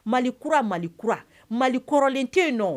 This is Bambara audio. Malikura malikura mali kɔrɔlen tɛ nɔ